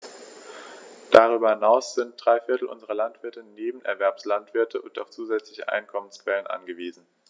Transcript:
Darüber hinaus sind drei Viertel unserer Landwirte Nebenerwerbslandwirte und auf zusätzliche Einkommensquellen angewiesen.